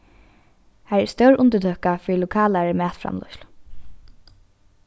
har er stór undirtøka fyri lokalari matframleiðslu